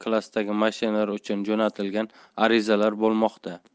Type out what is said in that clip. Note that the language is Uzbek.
klassdagi mashinalar uchun jo'natilgan arizalar bo'lmoqda